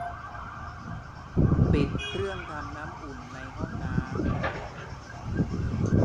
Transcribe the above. ปิดเครื่องทำน้ำอุ่นในห้องน้ำ